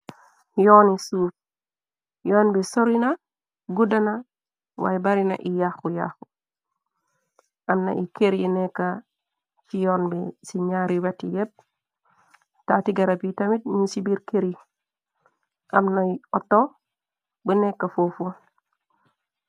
Yoon ni suuf yoon bi sorina guddana waay barina a yaxxu yaxxu amna i kër yi nekka ci yoon bi ci ñaari weti yépp taati garab yi tamit ñu ci biir kër yi am nay oto bu nekka foofu.